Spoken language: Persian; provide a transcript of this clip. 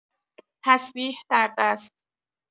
تسبیح در دست